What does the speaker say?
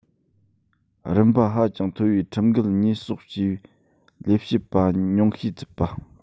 རིམ པ ཧ ཅང མཐོ བའི ཁྲིམས འགལ ཉེས གསོག བྱས པའི ལས བྱེད པ ཉུང ཤས ཚུད པ